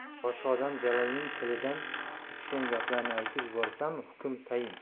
boshqa odam jalilning tilidan uchgan gaplarni aytib yuborsami hukm tayin